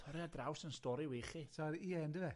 Torri o draws 'yn stori wych i. Torri... Ie, yndyfe?